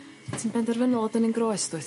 Ti'n benderfynol o dyny'n groes dwyt?